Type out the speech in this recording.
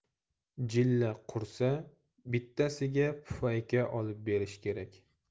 jilla qursa bittasiga pufayka olib berish kerak